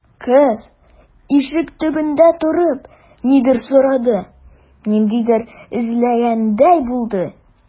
Кыз, ишек төбендә торып, нидер сорады, нидер эзләгәндәй булды.